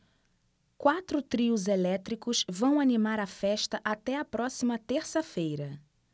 quatro trios elétricos vão animar a festa até a próxima terça-feira